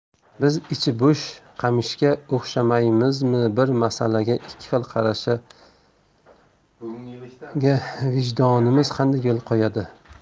biz ichi bo'sh qamishga o'xshamaymizmi bir masalaga ikki xil qarashga vijdonimiz qanday yo'l qo'yadi